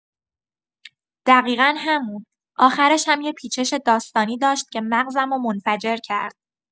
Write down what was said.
دقیقا همون، آخرش هم یه پیچش داستانی داشت که مغزمو منفجر کرد.